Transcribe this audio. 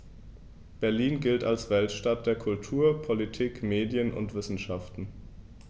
Berlin gilt als Weltstadt[9] der Kultur, Politik, Medien und Wissenschaften.